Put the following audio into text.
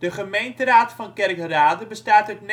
gemeenteraad van Kerkrade bestaat